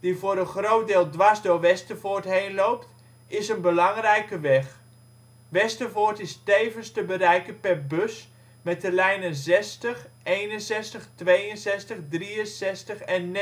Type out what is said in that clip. die voor een groot deel dwars door Westervoort heen loopt, is een belangrijke weg. Westervoort is tevens te bereiken per bus, met de lijnen 60, 61, 62, 63 en 69.